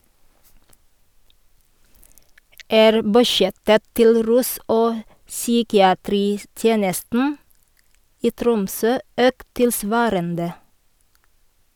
Er budsjettet til Rus og psykiatritjenesten i Tromsø økt tilsvarende?